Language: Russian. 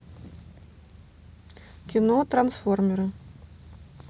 кино трансформеры